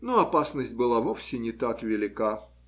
Но опасность была вовсе не так велика.